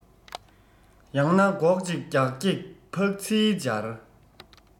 ཡང ན སྒོག གཅིག རྒྱ སྐྱེགས ཕག ཚིལ སྦྱར